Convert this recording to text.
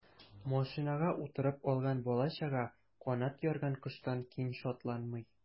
Машинага утырып алган бала-чага канат ярган коштан ким шатланмый.